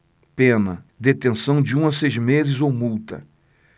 pena detenção de um a seis meses ou multa